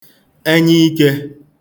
ẹnya ikē